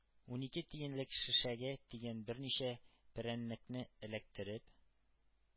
Унике тиенлек шешәгә тигән берничә перәннекне эләктереп,